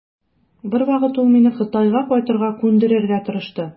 Бер вакыт ул мине Кытайга кайтырга күндерергә тырышты.